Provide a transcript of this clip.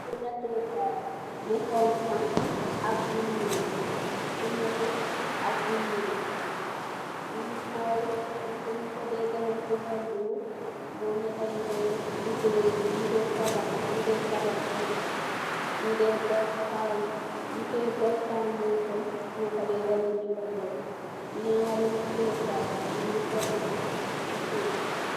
Bii natte kaay bu xoñxa ak bu ñuul, bu nétte ak bu ñuul. Ñu ko Dee gënë jafëndeko mooy ñiy tabax kér, ñu Dee gas fawundeeson, ñu ko Dee gënë jafëndeko. Ñaari nattéé kaay ñu ngi teggu si bsuuf.